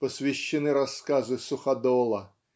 посвящены рассказы "Суходола"